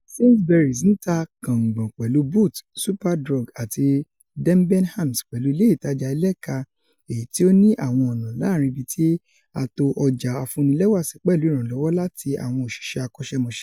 Sainsbury's ńta kàǹgbọ̀n pẹ̀lú Boots, Superdrug àti Debenhams pẹ̀lú ilé ìtajà ẹlẹ́ka-èyití ó ní àwọn ọ̀nà láàrin ibití a to ọjà afúnnilẹ́wà sí pẹ̀lú ìrànlọwọ lati àwọn òṣìṣẹ́ akọ́ṣẹ́mọṣẹ́.